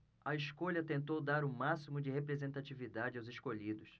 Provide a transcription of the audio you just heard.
a escolha tentou dar o máximo de representatividade aos escolhidos